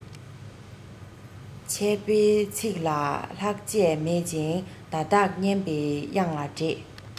འཆད པའི ཚིག ལ ལྷག ཆད མེད ཅིང བརྡ དག སྙན པའི དབྱངས ལ འདྲེས